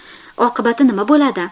oqibati nima bo'ladi